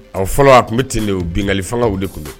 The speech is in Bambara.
Ɔ fɔlɔ a tun bɛ ten de ye o, bingali fangaw de tun don